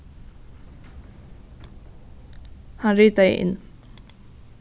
hann ritaði inn